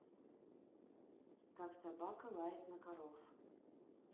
как собака лает на коров